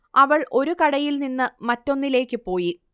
അവൾ ഒരു കടയിൽ നിന്ന് മറ്റൊന്നിലേക്ക് പോയി